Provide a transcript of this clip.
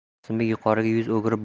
qosimbek yuqoriga yuz o'girib